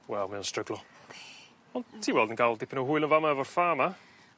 wel mae o'n stryglo. Yndi. Ti weld yn ga'l dipyn o hwyl yn fama efo'r ffa 'ma.